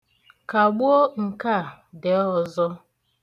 Kagbuo nke a dee ọzọ.